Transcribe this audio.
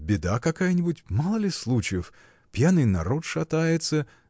беда какая-нибудь: мало ли случаев? Пьяный народ шатается.